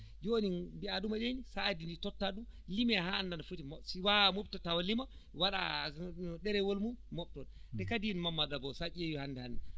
jooni mbiya ɗuma yeeyi so a addii tottaa ɗum limee haa annda no foti mooftee si waawa moftude tottaa o lima waɗa ɗerewol mum moofton te kadi Mamadou Abou sa ƴeewi hannde hannde